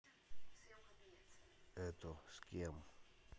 это с кем